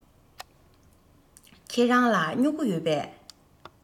ཁྱེད རང ལ སྨྱུ གུ ཡོད པས